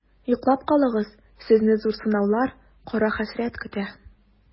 Йоклап калыгыз, сезне зур сынаулар, кара хәсрәт көтә.